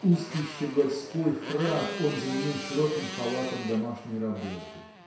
Узкий щегольской фрак он заменил широким халатом домашней работы.